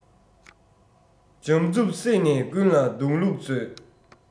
འཇམ རྩུབ བསྲེས ནས ཀུན ལ འདོང ལུགས མཛོད